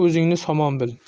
o'zingni somon bil